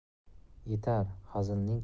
yetar hazilning tagi